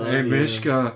Hey Mischke.